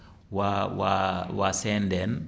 waa waa waa CNDN